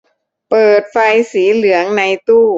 เปิดไฟสีเหลืองในตู้